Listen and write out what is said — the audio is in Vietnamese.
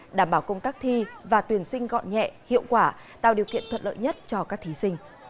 đảm bảo công tác thi và tuyển sinh gọn nhẹ hiệu quả tạo điều kiện thuận lợi nhất cho các thí sinh